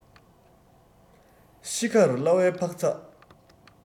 ཤི ཁར གླ བའི འཕག ཚག